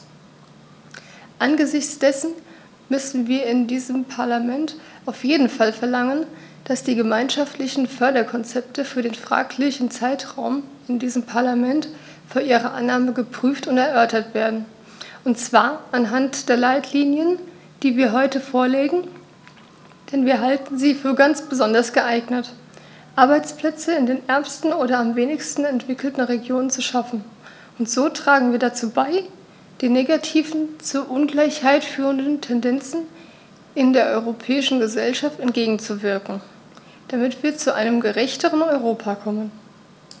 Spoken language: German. Angesichts dessen müssen wir in diesem Parlament auf jeden Fall verlangen, dass die gemeinschaftlichen Förderkonzepte für den fraglichen Zeitraum in diesem Parlament vor ihrer Annahme geprüft und erörtert werden, und zwar anhand der Leitlinien, die wir heute vorlegen, denn wir halten sie für ganz besonders geeignet, Arbeitsplätze in den ärmsten oder am wenigsten entwickelten Regionen zu schaffen, und so tragen wir dazu bei, den negativen, zur Ungleichheit führenden Tendenzen in der europäischen Gesellschaft entgegenzuwirken, damit wir zu einem gerechteren Europa kommen.